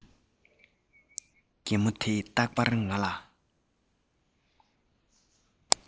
རྒན མོ དེས རྟག པར ང ལ